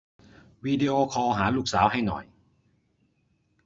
วิดีโอคอลหาลูกสาวให้หน่อย